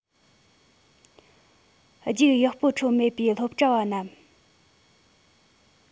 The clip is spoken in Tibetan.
རྒྱུགས ཡག པོ འཕྲོད མེད པའི སློབ གྲྭ བ རྣམས